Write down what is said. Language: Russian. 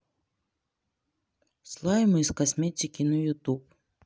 слаймы из косметики на ютуб